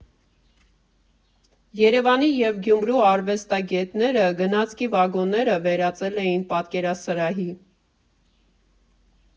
Երևանի և Գյումրու արվեստագետները գնացքի վագոնները վերածել էին պատկերասրահի։